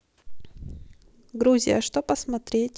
грузия что посмотреть